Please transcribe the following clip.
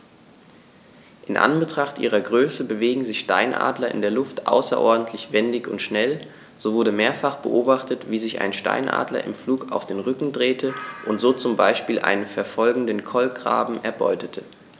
In Anbetracht ihrer Größe bewegen sich Steinadler in der Luft außerordentlich wendig und schnell, so wurde mehrfach beobachtet, wie sich ein Steinadler im Flug auf den Rücken drehte und so zum Beispiel einen verfolgenden Kolkraben erbeutete.